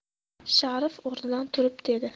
sharif o'rnidan turib dedi